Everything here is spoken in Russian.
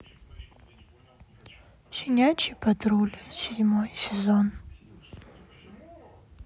щенячий патруль седьмой сезон